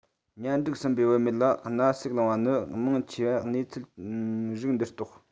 གཉེན སྒྲིག ཟིན པའི བུད མེད ལ ན ཟུག ལངས པ ནི མང ཆེ བ གནས ཚུལ རིགས འདིར གཏོགས